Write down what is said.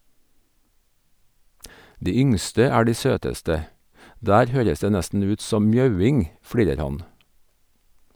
De yngste er de søteste , der høres det nesten ut som mjauing, flirer han.